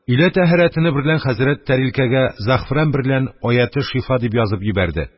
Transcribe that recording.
Өйлә тәһарәте берлән хәзрәт тәрилкәгә зәгъфран берлән аяте шифа да язып йибәрде.